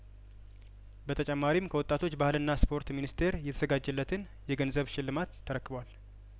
በተጨማሪም ከወጣቶች ባህልና ስፖርት ሚኒስቴር የተዘጋጀለትን የገንዘብ ሽልማት ተረክቧል